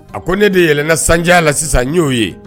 A ko ne de ye yɛlɛnna sandiya la sisan n y'o ye